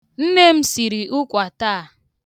Nne m siri ụkwa taa.